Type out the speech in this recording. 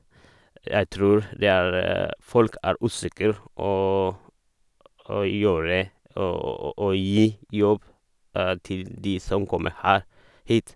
Jeg tror det er folk er usikker å å gjøre å å å å gi jobb til de som kommer her hit.